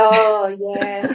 O ie.